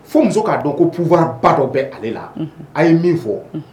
Fo muso ka dɔn ko pouvoir ba dɔ bɛ ale la Unhun a ye min fɔ.